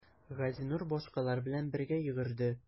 Газинур башкалар белән бергә йөгерде.